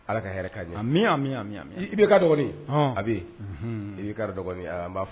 Ala ka k' min y'a' i b' ka dɔgɔn a bɛ i'i ka dɔgɔnin b'a fɔ